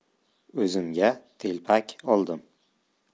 o'zimga telpak oldim